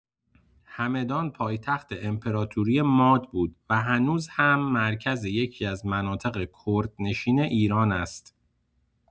همدان پایتخت امپراتوری ماد بود و هنوز هم مرکز یکی‌از مناطق کردنشین ایران است.